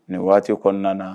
Nin waati kɔnɔna na